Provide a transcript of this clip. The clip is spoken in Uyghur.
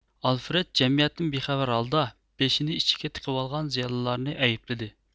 ئالفرېد جەمئىيەتتىن بىخەۋەر ھالدا بېشىنى ئىچىگە تىقىۋالغان زىيالىيلارنى ئەيىپلىدى